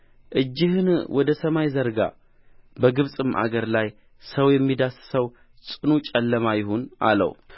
እጅህን ወደ ሰማይ ዘርጋ በግብፅም አገር ላይ ሰው የሚዳስሰው ፅኑ ጨለማ ይሁን አለው